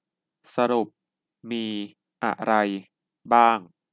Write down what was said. สรุปมีอะไรบ้าง